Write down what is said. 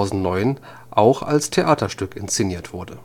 2009 auch als Theaterstück inszeniert wurde